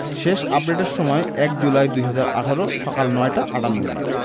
শেষ আপডেটের সময় ১ জুলাই ২০১৮ সকাল ৯টা ৫৮মিনিট